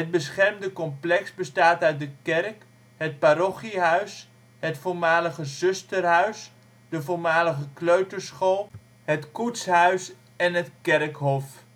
beschermde complex bestaat uit de kerk, het parochiehuis, het voormalige zusterhuis, de voormalige kleuterschool, het koetshuis en het kerkhof